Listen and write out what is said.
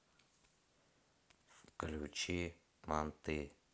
включи понты